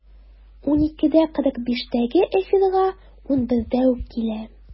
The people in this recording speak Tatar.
12.45-тәге эфирга 11-дә үк килә.